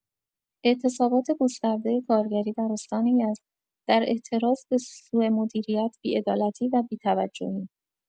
اعتصابات گسترده کارگری در استان یزد در اعتراض به سو مدیریت، بی‌عدالتی و بی‌توجهی